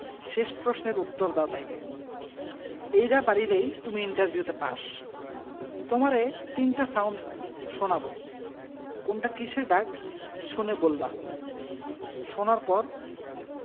শেষ প্রশ্নের উত্তর দাও তাইলে এইডা পারিলেই তুমি ইন্টার ভিউতে পাস তোমারে তিনটা সাউন্ড শোনাবো কোনটা কিসের ডাক শুনে বলবা শোনার পর